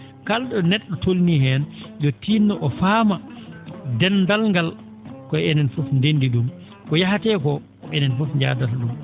kal?o ne??o tolni hen ho tinno o faama dendal ngal ko enen foof dendi ?um ko yahate ko ko enen foof jadata ?um